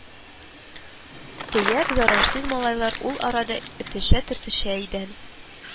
Төяк зарарсыз малайлар ул арада этешә-төртешә идән